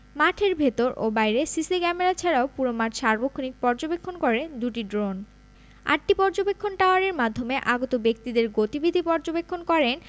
মাঠের ভেতর ও বাইরে সিসি ক্যামেরা ছাড়াও পুরো মাঠ সার্বক্ষণিক পর্যবেক্ষণ করে দুটি ড্রোন আটটি পর্যবেক্ষণ টাওয়ারের মাধ্যমে আগত ব্যক্তিদের গতিবিধি পর্যবেক্ষণ করেন